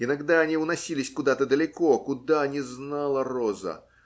иногда они уносились куда-то далеко, куда - не знала роза.